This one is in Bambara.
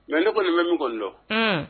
Mais ne kɔni bɛ min kɔni dɔn Unhun